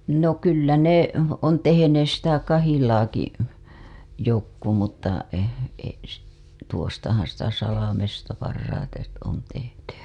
no kyllä ne on tehneet sitä kahilaakin jotkut mutta -- tuostahan sitä Salmesta parhaiten on tehty